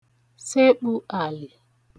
sekpū àlị̀